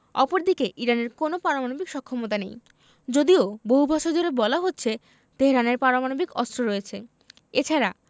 অপরদিকে ইরানের কোনো পারমাণবিক সক্ষমতা নেই যদিও বহু বছর ধরে বলা হচ্ছে তেহরানের পারমাণবিক অস্ত্র রয়েছে এ ছাড়া